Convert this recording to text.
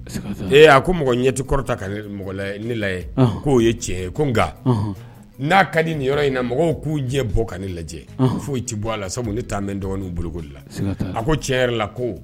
Ee a ko mɔgɔ ɲɛ ti kɔrɔtan ka mɔgɔ lajɛ ko ye tiɲɛ ye . Ko nga na ka di nin yɔrɔ in na mɔgɔw ku diɲɛ bɔ ka ne lajɛ foyi ti bɔ a la sabu ne taa bɛ n dɔgɔninw bolokoli la a ko tiɲɛ yɛrɛ la ko